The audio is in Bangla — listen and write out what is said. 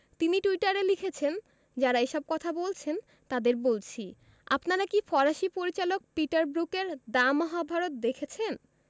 তিনি টুইটারে লিখেছেন যাঁরা এসব কথা বলছেন তাঁদের বলছি আপনারা কি ফরাসি পরিচালক পিটার ব্রুকের “দ্য মহাভারত” দেখেছেন